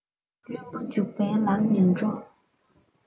བློན པོ འཇུག པའི ལམ མི འགྲོ